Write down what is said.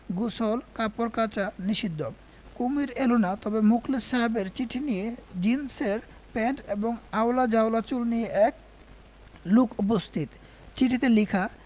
গোসল কাপড় কাচা নিষিদ্ধ কুমীর এল না তবে মুখলেস সাহেবের চিঠি নিয়ে জীনসের প্যান্ট এবং আউলা ঝাউলা চুল নিয়ে এক লোক উপস্থিত চিঠিতে লিখা